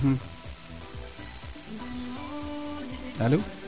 alo